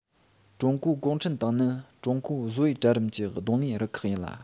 ཀྲུང གོའི གུང ཁྲན ཏང ནི ཀྲུང གོའི བཟོ པའི གྲལ རིམ གྱི གདོང ལེན རུ ཁག ཡིན ལ